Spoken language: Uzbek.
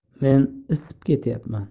men isib ketayapman